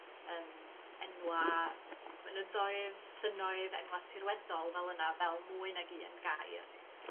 yym enwa' mynyddoedd, llynnoedd, enwa' tirweddol fel yna, fel mwy nag un gair.